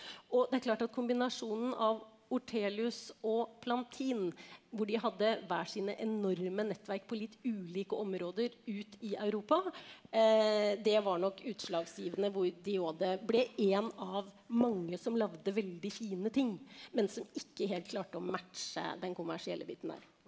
og det er klart at kombinasjonen av Ortelius og Plantin hvor de hadde hver sine enorme nettverk på litt ulike områder ut i Europa det var nok utslagsgivende hvor de Jode ble en av mange som lagde veldig fine ting men som ikke helt klarte å matche den kommersielle biten der.